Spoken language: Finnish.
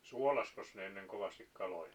suolasikos ne ennen kovasti kaloja